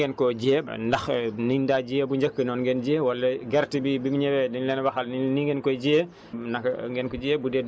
naka ngeen ko jiyee ndax niñ daa jiyee bu njëkk noonu ngeen jiyee wala gerte bi bim ñëwee dañ leen waxal ne leen nii ngeen koy jiyee naka ngeen ko jiyee